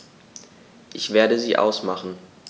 Ich werde sie ausmachen.